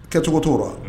Kɛ cogo tora unh